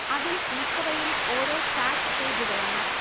അതിൽ മിക്കവയും ഓരോ ചാറ്റ് പേജുകളാണ്